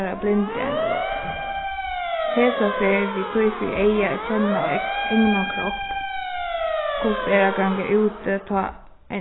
teirra blindu eina løtu hesa ferð við tí fyri eyga at kenna egnan kropp hvussu tað er at ganga úti tá